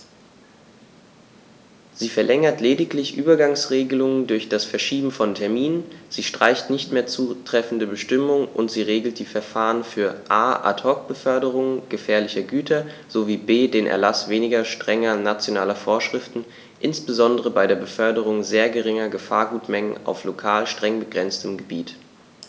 Sie verlängert lediglich Übergangsregeln durch das Verschieben von Terminen, sie streicht nicht mehr zutreffende Bestimmungen, und sie regelt die Verfahren für a) Ad hoc-Beförderungen gefährlicher Güter sowie b) den Erlaß weniger strenger nationaler Vorschriften, insbesondere bei der Beförderung sehr geringer Gefahrgutmengen auf lokal streng begrenzten Gebieten.